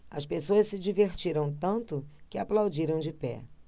as pessoas se divertiram tanto que aplaudiram de pé